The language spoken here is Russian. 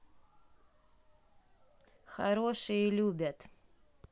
хорошие любят